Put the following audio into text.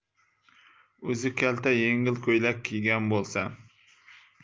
o'zi kalta yengli ko'ylak kiygan bo'lsam